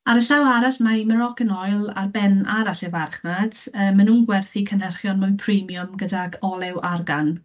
Ar y llaw arall, mae Moroccan oil ar ben arall y farchnad. Yy maen nhw'n gwerthu cynhyrchion mwy premium gydag olew argan.